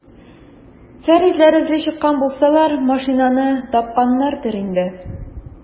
Фәритләр эзли чыккан булсалар, машинаны тапканнардыр инде.